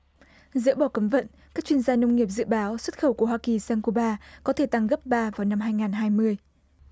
dỡ bỏ cấm vận các chuyên gia nông nghiệp dự báo xuất khẩu của hoa kỳ sang cu ba có thể tăng gấp ba vào năm hai ngàn hai mươi